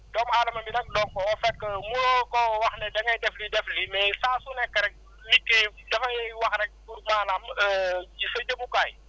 doomu aadama bi nag doo ko fekk mënoo koo wax ne da ngay def lii def lii mais saa su nekk rek liggéey dafay wax rek pour maanaam mu ci sa jëmukaay